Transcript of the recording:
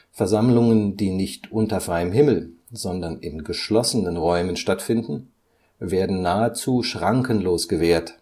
Versammlungen, die nicht unter freiem Himmel, sondern in geschlossenen Räumen stattfinden, werden nahezu schrankenlos gewährt